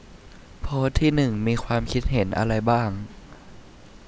โพสต์ที่หนึ่งมีความคิดเห็นอะไรบ้าง